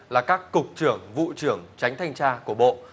là các cục trưởng vụ trưởng chánh thanh tra của bộ